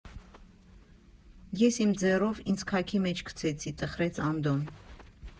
«Ես իմ ձեռով ինձ քաքի մեջ գցեցի», ֊ տխրեց Անդոն։